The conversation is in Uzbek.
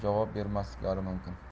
javob bermasliklari mumkin